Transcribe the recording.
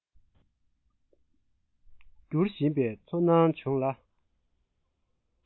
འགྱུར བཞིན པའི ཚོར སྣང བྱུང ལ